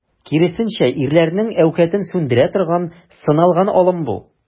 Киресенчә, ирләрнең әүкатен сүндерә торган, сыналган алым бу.